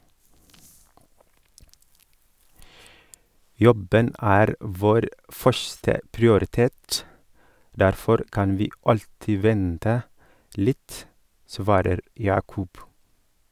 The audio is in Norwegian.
Jobben er vår første prioritet; derfor kan vi alltid vente litt , svarer Yaqub.